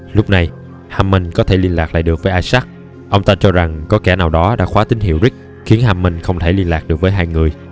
lúc này hammond có thể liên lạc lại được với isaac ông ta cho rằng có kẻ nào đó đã khóa tín hiệu rig khiến hammond không thể liên lạc được với người